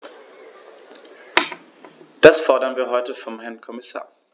Das fordern wir heute vom Herrn Kommissar.